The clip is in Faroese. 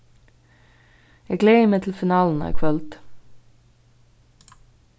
eg gleði meg til finaluna í kvøld